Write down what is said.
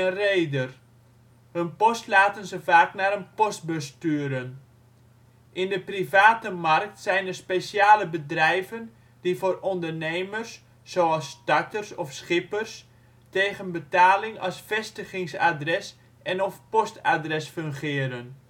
reder. Hun post laten ze vaak naar een postbus sturen. In de private markt zijn er speciale bedrijven die voor ondernemers zoals starters of schippers, tegen betaling als vestigings-adres en/of post-adres fungeren